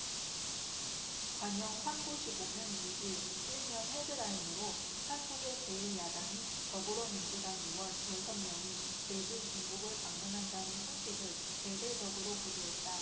관영 환구시보는 육 일 일 면 헤드라인으로 한국의 제 일 야당인 더불어민주당 의원 여섯 명이 내주 중국을 방문한다는 소식을 대대적으로 보도했다